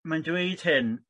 mae'n dweud hyn